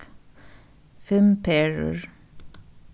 fimm perur